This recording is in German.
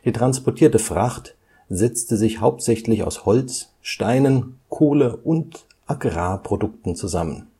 transportierte Fracht setzte sich hauptsächlich aus Holz, Steinen, Kohle und Agrarprodukten zusammen